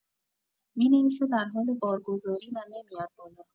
می‌نویسه در حال بارگذاری و نمیاد بالا